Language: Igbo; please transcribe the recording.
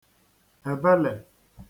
èbelè